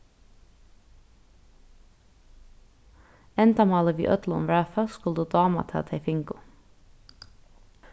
endamálið við øllum var at fólk skuldu dáma tað tey fingu